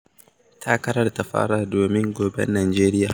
Takarar ta fara domin goben Najeriya